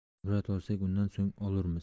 ibrat olsak undan so'ng olurmiz